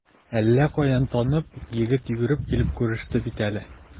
Әллә каян танып, егет йөгереп килеп күреште бит әле.